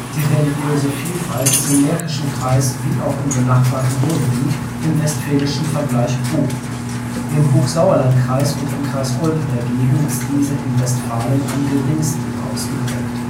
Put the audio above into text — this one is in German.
Die religiöse Vielfalt ist im Märkischen Kreis, wie auch im benachbarten Ruhrgebiet, im westfälischen Vergleich hoch. Im Hochsauerlandkreis und im Kreis Olpe dagegen ist diese in Westfalen am geringsten ausgeprägt